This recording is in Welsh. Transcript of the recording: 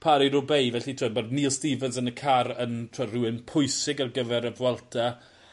Paris Roubaix felly t'wod ma'r Neil Stephens yn y car yn t'wo' rywun pwysig ar gyfer y Vuelta.